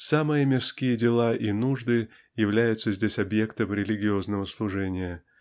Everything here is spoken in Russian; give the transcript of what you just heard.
Самые мирские дела и нужды являются здесь объектом религиозного служения